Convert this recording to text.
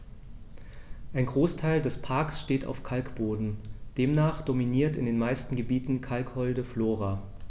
Ein Großteil des Parks steht auf Kalkboden, demnach dominiert in den meisten Gebieten kalkholde Flora.